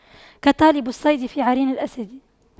كطالب الصيد في عرين الأسد